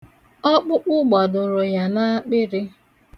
Ọkpụkpụ gbadoro ya n'akpịrị